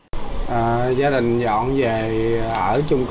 ờ gia đình dọn về ở chung